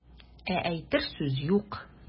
Ә әйтер сүз юк.